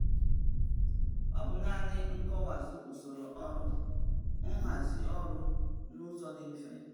Ọ bụ naanị nkọwazu usoro ọrụ, nhazi ọrụ n'ụzọ dị mfe.